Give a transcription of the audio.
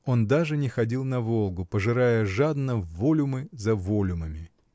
он даже не ходил на Волгу, пожирая жадно волюмы за волюмами.